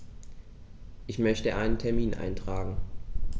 Ich möchte einen Termin eintragen.